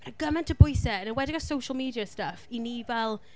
Mae 'na gymaint o bwysau, yn enwedig ar social media a stuff, i ni fel...